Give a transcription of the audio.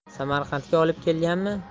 samarqandga olib kelganmi